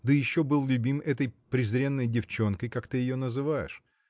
да еще был любим этой презренной девчонкой как ты ее называешь.